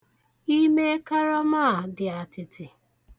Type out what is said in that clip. Ime karama a dị atịtị.